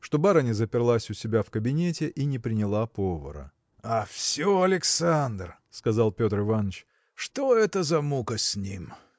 что барыня заперлась у себя в кабинете и не приняла повара. – А все Александр! – сказал Петр Иваныч. – Что это за мука с ним!